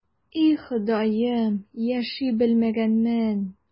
И, Ходаем, яши белмәгәнмен...